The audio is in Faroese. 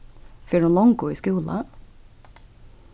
fer hon longu í skúla